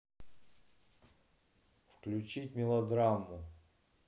включить мелодраму